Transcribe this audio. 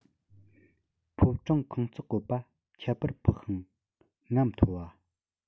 ཕོ བྲང ཁང བརྩེགས བཀོད པ ཁྱད པར འཕགས ཤིང རྔམས མཐོ བ